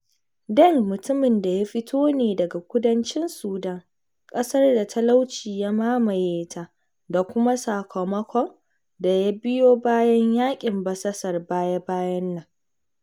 Deng mutumin da ya fito ne daga kudancin Sudan, ƙasar da talauci ya mamaye ta da kuma sakamakon da ya biyo bayan yaƙin basasar baya-bayan nan.